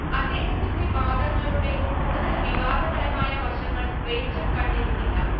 അദ്ദേഹത്തിന്റെ വാദങ്ങളുടെ കൂടുതൽ വിവാദപരമായ വശങ്ങൾ വെളിച്ചം കണ്ടിരുന്നില്ല